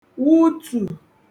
wutù